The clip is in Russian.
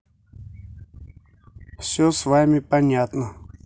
все с вами понятно